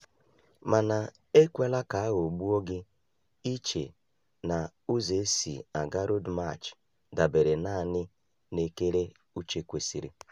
Mana ekwela ka a ghọgbuo gị iche na ụzọ e si aga Road March dabeere naanị n'ekere uche kwesịrị.